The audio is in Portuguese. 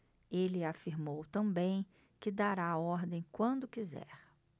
ele afirmou também que dará a ordem quando quiser